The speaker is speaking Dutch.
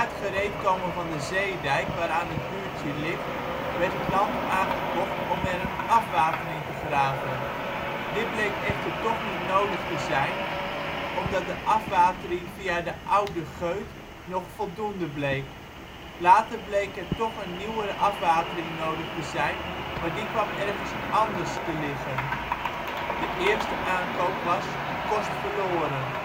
gereedkomen van de zeedijk waaraan het buurtje ligt werd het land aangekocht om er een afwatering te graven. Die bleek echter toch niet nodig te zijn omdat de afwatering via de Oude Geut nog voldoende bleek. Later bleek er toch een nieuwe afwatering nodig te zijn, maar die kwam ergens anders te liggen. De eerste aankoop was ' kost verloren